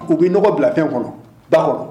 U bi nɔgɔ bila fɛn kɔnɔ ba kɔnɔ